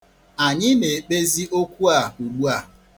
Anyị na-ekpezi okwu a ugbua.